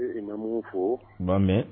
Bɛ imamuw fo, u b'a mɛn